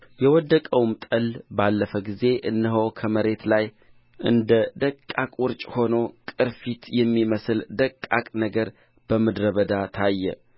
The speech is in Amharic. የወደቀውም ጠል ባለፈ ጊዜ እነሆ በመሬት ላይ እንደ ደቃቅ ውርጭ ሆኖ ቅርፊት የሚመስል ደቃቅ ነገር በምድረ በዳ ታየ